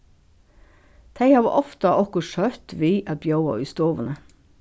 tey hava ofta okkurt søtt við at bjóða í stovuni